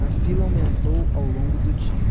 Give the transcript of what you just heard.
a fila aumentou ao longo do dia